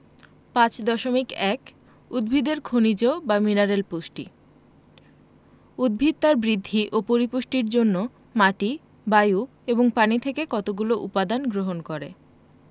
৫.১ উদ্ভিদের খনিজ বা মিনারেল পুষ্টি উদ্ভিদ তার বৃদ্ধি ও পরিপুষ্টির জন্য মাটি বায়ু এবং পানি থেকে কতগুলো উপদান গ্রহণ করে